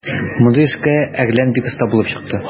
Мондый эшкә "Әрлән" бик оста булып чыкты.